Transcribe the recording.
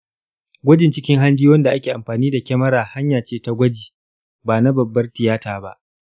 gwajin cikin hanji wanda ake amfani da kyamara hanyace ta gwaji, bana babbar tiyata ba.